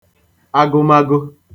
agụmagụ